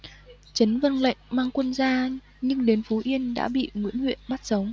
trấn vâng lệnh mang quân ra nhưng đến phú yên đã bị nguyễn huệ bắt sống